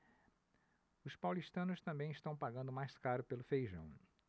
os paulistanos também estão pagando mais caro pelo feijão